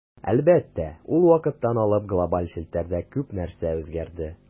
Әлбәттә, ул вакыттан алып глобаль челтәрдә күп нәрсә үзгәрде.